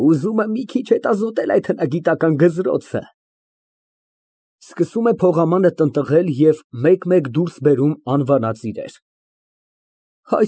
Ուզում եմ մի քիչ հետազոտել այդ հնագիտական գզրոցը։ (Սկսում է փողամանը տնտղել և մեկ֊մեկ դուրս բերում անվանած իրեր)։